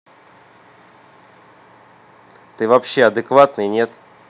ты вообще адекватный нет